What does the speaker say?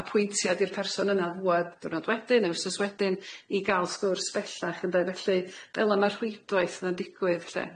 apwyntiad i'r person yna ddŵad diwrnod wedyn ne'r wsos wedyn i ga'l sgwrs bellach ynde felly fela ma'r rhwydwaith 'na'n digwydd lly.